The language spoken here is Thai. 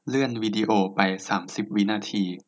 เลื่อนวีดีโอไปสามสิบวินาที